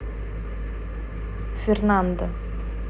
фернандо